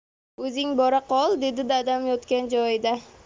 o'zing bora qol dedi dadam yotgan joyida